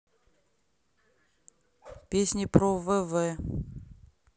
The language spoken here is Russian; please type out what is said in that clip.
песни про вв